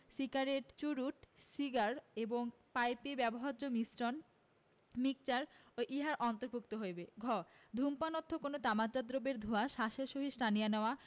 cigarette চুরুট cigar এবং পাইপে ব্যবহার্য মিশ্রণ মিক্সার ও ইহার অন্তর্ভুক্ত হইবে ঘ ধূমপান অর্থ কোন তামাকজাত দ্রব্যের ধোঁয়া শ্বাসের সহিত টানিয়া নেওয়া